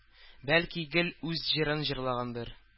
Бәлки, гел үз җырын гына җырлагангадыр